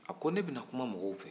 a ko ne bɛna kuma mɔgɔw fɛ